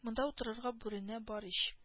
Монда утырырга бүрәнә бар ич